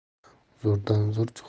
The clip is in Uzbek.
zo'rdan zo'r chiqsa